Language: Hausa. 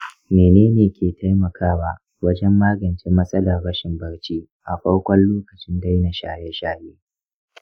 mene ne ke taimakawa wajen magance matsalar rashin barci a farkon lokacin daina shaye-shaye?